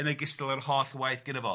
...yn ogystal â'r holl waith gyda fo.